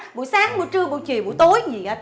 buổi sáng buổi trưa buổi chiều buổi tối gì á